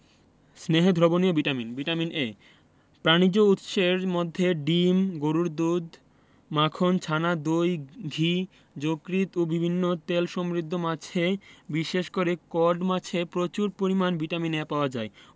স্নেহে দ্রবণীয় vitamin vitamin A প্রাণিজ উৎসের মধ্যে ডিম গরুর দুধ মাখন ছানা দই ঘি যকৃৎ ও বিভিন্ন তেলসমৃদ্ধ মাছে বিশেষ করে কড মাছে প্রচুর পরিমান ভিটামিন A পাওয়া যায়